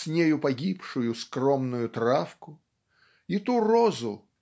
с нею погибшую скромную травку и ту розу